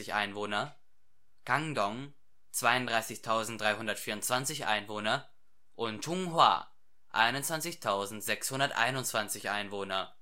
Einwohner Kangdong 32.324 Einwohner und Chunghwa 21.621 Einwohner